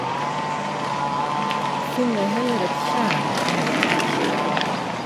Finn deg heller et tjern om du er tørst.